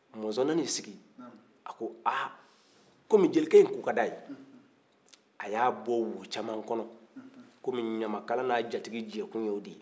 monzon nan'i sigi a ko ah kɔmi jelikɛ in ko ka d'a ye a y'a bɔ wo caman kɔnɔ kɔmi ɲamakala n'a jatigi jɛkun y'o ye